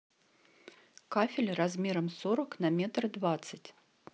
кафель размером сорок на метр двадцать